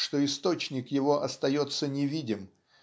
что источник его остается невидим